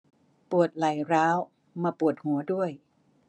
ปวดไหล่ร้าวมาปวดหัวด้วย